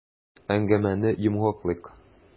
Әңгәмәне йомгаклыйк.